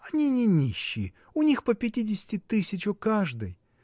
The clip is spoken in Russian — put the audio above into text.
— Они не нищие, у них по пятидесяти тысяч у каждой.